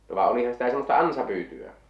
no vaan olihan sitä semmoista ansapyytöä